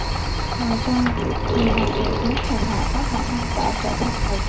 ngoài ra nghề làm đồ gốm thời hạ có khả năng đã trở thành một